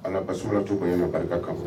Ala basuratu bonyan no barika kama